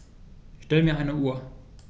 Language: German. Stell mir eine Uhr.